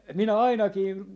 minä ainakin